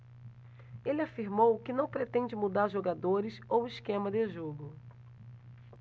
ele afirmou que não pretende mudar jogadores ou esquema de jogo